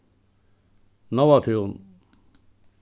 nóatún